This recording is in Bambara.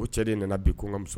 Ko cɛ de nana bi ko kamuso